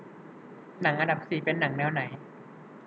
หนังอันดับสี่เป็นหนังแนวไหน